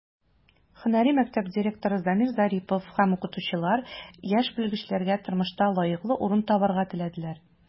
Һөнәри мәктәп директоры Замир Зарипов һәм укытучылар яшь белгечләргә тормышта лаеклы урын табарга теләделәр.